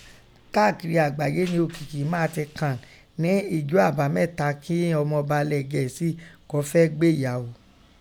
Káàkiri àgbáyé nẹ òkìkí máa tin kàn nẹ́ ijọ àbámẹ́ta kín Ọmọọba ilẹ̀ Gẹ̀ẹ́sì kọ́ fẹ́ẹ́ gbéyàó.